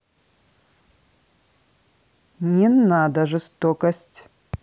не надо жестокость